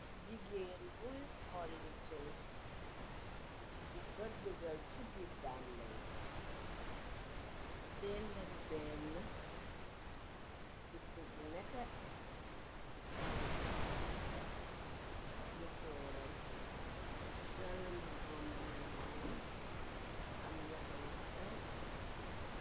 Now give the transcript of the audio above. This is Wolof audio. jigéen buy xolli jen di koddugal ci bi damba yi dendak benn gut bu nete mu daf mu sooram solmbu bombu ñoon am loxo yi sew